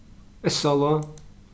essalág